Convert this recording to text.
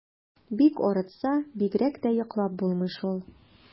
Бик арытса, бигрәк тә йоклап булмый шул.